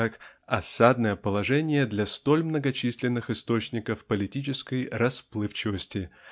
как "осадное положение" для столь многочисленных источников политической расплывчатости.